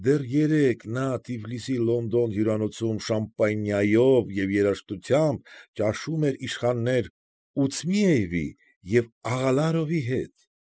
Դեռ երեկ նա Թիֆլիսի «Լոնդոն» հյուրանոցում շամպանիայով և երաժշտությամբ ճաշում էր իշխաններ Ուցմիևի և Աղալարովի հետ։